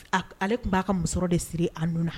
A ale tun b'a ka musɔrɔ de siri a nun na